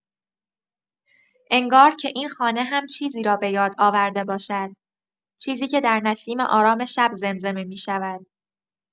انگار که این خانه هم چیزی را بۀاد آورده باشد، چیزی که در نسیم آرام شب زمزمه می‌شود.